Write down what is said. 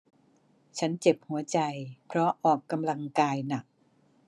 ฉันเจ็บหัวใจเพราะออกกำลังกายหนัก